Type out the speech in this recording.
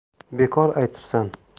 bekor aytibsan